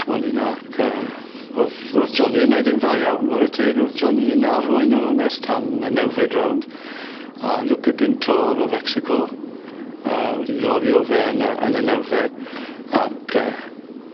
O'n i 'na ac yy ro'dd ro'dd Johnny yn neud yn dda iawn ware teg ro'dd Johnny yn arwain yr ornest tan y nawfed rownd a Lupin Pintor o Fecsico yy wedi lorio fe yn y yn y nawfed ac yy